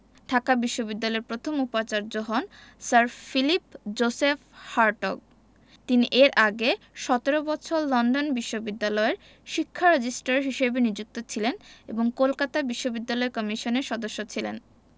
ঢাকা বিশ্ববিদ্যালয়ের প্রথম উপাচার্য হন স্যার ফিলিপ জোসেফ হার্টগ তিনি এর আগে ১৭ বছর লন্ডন বিশ্ববিদ্যালয়ের শিক্ষা রেজিস্টার হিসেবে নিযুক্ত ছিলেন এবং কলকাতা বিশ্ববিদ্যালয় কমিশনের সদস্য ছিলেন